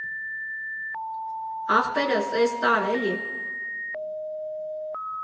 Ախպերս էս տար էլի։